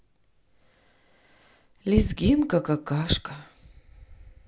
лезгинка какашка